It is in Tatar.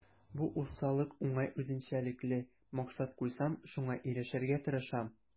Бу усаллык уңай үзенчәлекле: максат куйсам, шуңа ирешергә тырышам.